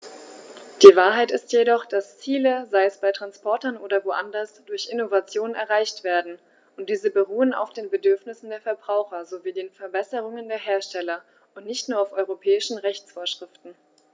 Die Wahrheit ist jedoch, dass Ziele, sei es bei Transportern oder woanders, durch Innovationen erreicht werden, und diese beruhen auf den Bedürfnissen der Verbraucher sowie den Verbesserungen der Hersteller und nicht nur auf europäischen Rechtsvorschriften.